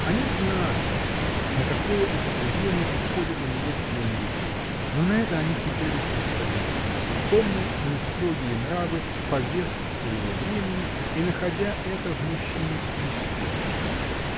Они знали, на какое употребление уходят у него деньги, но на это они смотрели снисходительно, помня нестрогие нравы повес своего времени и находя это в мужчине естественным.